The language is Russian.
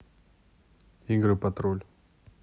игры патруль